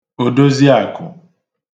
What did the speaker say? òdoziakụ̀